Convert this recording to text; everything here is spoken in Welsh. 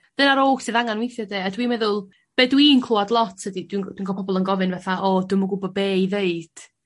sydd angan withia' de a dwi'n meddwl be' dw i 'n clŵad lot ydi dwi'n gw- dwi'n gwe' pobol yn gofyn fatha o dw'm yn gwbod be' i ddeud.